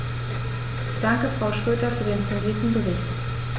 Ich danke Frau Schroedter für den fundierten Bericht.